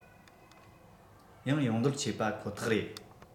ཡང ཡོང འདོད ཆེ པ ཁོ ཐག རེད